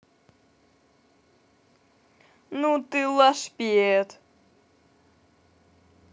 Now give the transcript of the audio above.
ну ты лашпед